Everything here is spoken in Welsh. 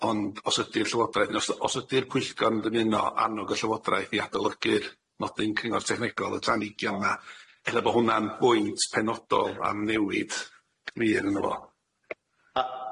Ond os ydi'r Llywodraeth os os ydi'r pwyllgor yn dymuno annwg y Llywodraeth i adolygu'r nodyn cyngor technegol y tanigion yna ella bo' hwnna'n bwynt penodol am newid clir ynddo fo.